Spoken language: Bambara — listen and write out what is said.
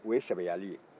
se o ye sɛbɛyali ye